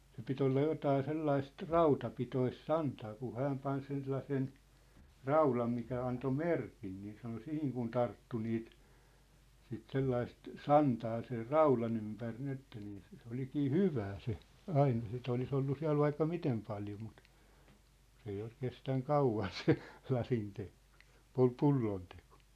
se piti olla jotakin sellaista rautapitoista santaa kun hän pani sen sellaisen raudan mikä antoi merkin niin sanoi siihen kun tarttui niitä sitten sellaista santaa sen raudan ympäri niin että niin se se olikin hyvää se aine sitten olisi ollut siellä vaikka miten paljon mutta se ei ole kestänyt kauan se lasinteko - pullonteko